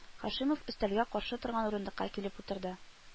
Һашимов өстәлгә каршы торган урындыкка килеп утырды